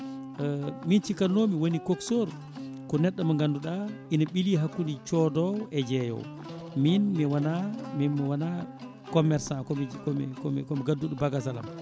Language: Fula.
min cikkanomi woni coxeur ko neɗɗo mo gandiuɗa ine ɓiili hakkude codowo e jeeyowo min mi wona min mi wona commerçant komi komi komi gadduɗo bagasalam